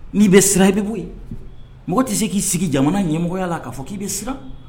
N'i bɛ sira i bɛ bɔ yen mɔgɔ tɛ se k'i sigi jamana ɲɛmɔgɔya la k'a fɔ k'i bɛ siran